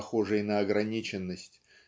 похожей на ограниченность